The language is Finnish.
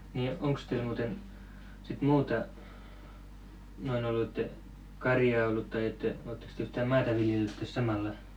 niin onkos teillä muuten sitten muuta noin ollut että karjaa ollut tai että olettekos te yhtään maata viljellyt tässä samalla